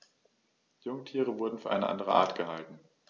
Jungtiere wurden für eine andere Art gehalten.